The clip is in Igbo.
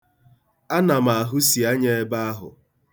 Ana m ahụsi anya ebe ahụ.